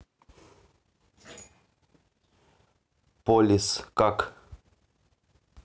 полис как